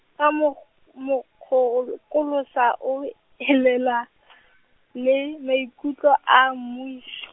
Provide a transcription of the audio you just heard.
ka mog-, mokgol- -kolosa ole-, hemela , le maikutlo a mmuis- .